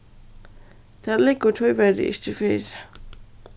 tað liggur tíverri ikki fyri